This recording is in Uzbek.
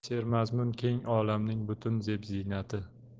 sermazmun keng olamning butun zeb ziynati